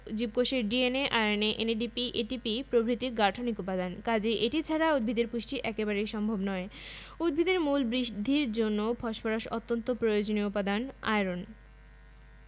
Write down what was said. জীবকোষের D N A R N A N A D P A T P প্রভৃতির গাঠনিক উপাদান কাজেই এটি ছাড়া উদ্ভিদের পুষ্টি একেবারেই সম্ভব নয় উদ্ভিদের মূল বৃদ্ধির জন্য ফসফরাস অত্যন্ত প্রয়োজনীয় উপাদান আয়রন